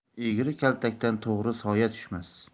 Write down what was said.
egri kaltakdan to'g'ri soya tushmas